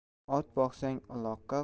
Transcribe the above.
ot boqsang uloqqa